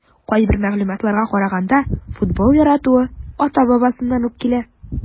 Кайбер мәгълүматларга караганда, футбол яратуы ата-бабасыннан ук килә.